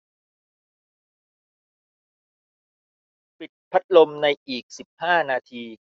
ปิดพัดลมในอีกสิบห้านาที